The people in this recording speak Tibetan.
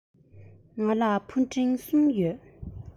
ང ལ ཕུ འདྲེན གསུམ ཡོད